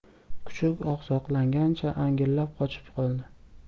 kuchuk oqsoqlangancha angillab qochib qoldi